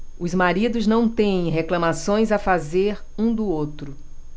os maridos não têm reclamações a fazer um do outro